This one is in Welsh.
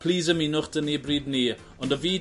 plîs ymunwch 'dy ni y bryd 'ny. Ond o fi...